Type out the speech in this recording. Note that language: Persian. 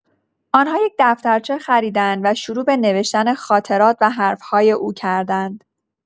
آن‌ها یک دفترچه خریدند و شروع به نوشتن خاطرات و حرف‌های او کردند.